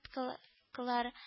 Кылар